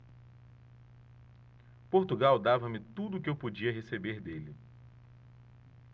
portugal dava-me tudo o que eu podia receber dele